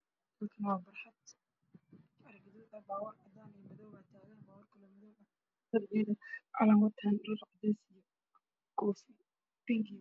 Meeshaan waxaan maray askar soomaaliyeed oo wataan racdeys ah oo isku eg ku xidhay gacanta ku hayaan calanka soomaaliya midabkiisa guduud